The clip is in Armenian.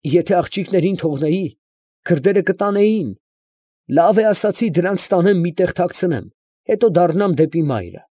Եթե աղջիկներին թողնեի, քրդերը կտանեին, լավ է, ասացի, դրանց տանեմ մի տեղ թաքցնեմ, հետո դառնամ դեպի մայրը։